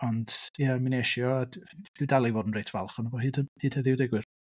Ond ia mi wnes i o a d- dwi dal i fod yn reit falch ohono fo hyd h- hyd heddiw deud gwir.